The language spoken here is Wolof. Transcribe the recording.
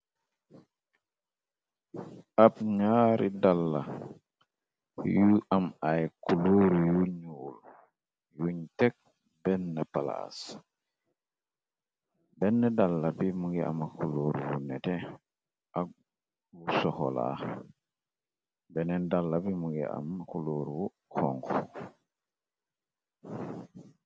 Ab ñaari dalla yu am ay kuluur yu ñuul yuñ tekk benn palaas benn dalla bi mu ngi am kuloor wu nete ak bu soxolaa benneen dalla bi mu ngi am kulóoru kong.